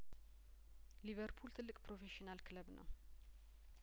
ሊቨርፑል ትልቅ ፕሮፌሽናል ክለብ ነው